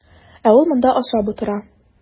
Ә ул монда ашап утыра.